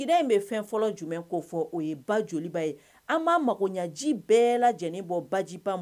Jinɛ in bɛ fɛn fɔlɔ jumɛn ko fɔ o ye ba joliba ye an b' mago ɲɛ ji bɛɛ lajɛlen bɔ bajiba ma